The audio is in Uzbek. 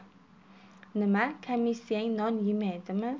nima kamissiyang non yemaydimi